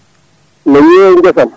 mi yeeyi guesam